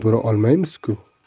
yubora olmaymiz ku